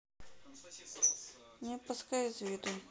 не упускай из виду